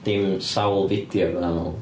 Dim sawl fideo gwahanol.